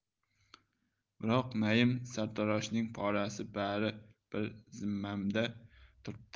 biroq naim sartaroshning porasi bari bir zimmamda turibdi